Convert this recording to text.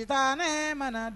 Ma